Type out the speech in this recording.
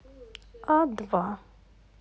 а два